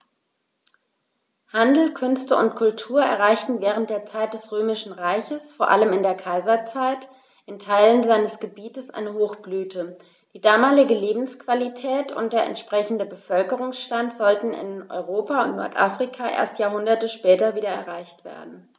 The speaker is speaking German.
Handel, Künste und Kultur erreichten während der Zeit des Römischen Reiches, vor allem in der Kaiserzeit, in Teilen seines Gebietes eine Hochblüte, die damalige Lebensqualität und der entsprechende Bevölkerungsstand sollten in Europa und Nordafrika erst Jahrhunderte später wieder erreicht werden.